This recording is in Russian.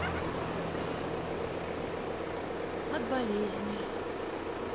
от болезни